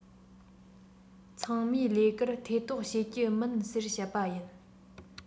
ཚང མའི ལས ཀར ཐེ གཏོགས བྱེད ཀྱི མིན ཟེར བཤད པ ཡིན